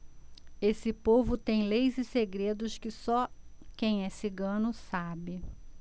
esse povo tem leis e segredos que só quem é cigano sabe